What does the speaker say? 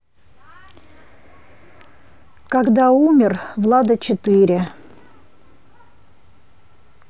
когда умер влада четыре